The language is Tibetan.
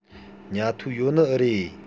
ཉལ ཐུལ ཡོད ནི ཨེ རེད